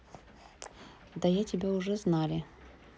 да я тебя уже знали